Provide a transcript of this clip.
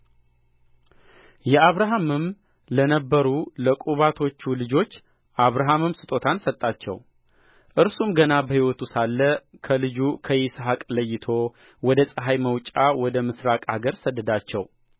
የአብርሃምም ለነበሩ ለቁባቶቹ ልጆች አብርሃም ስጦታን ሰጣቸው እርሱም ገና በሕይወቱ ሳለ ከልጁ ከይስሐቅ ለይቶ ወደ ፀሐይ መውጫ ወደ ምሥራቅ አገር ሰደዳቸው